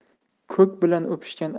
ko'k bilan o'pishgan